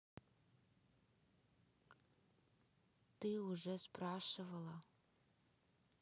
ты уже спрашивала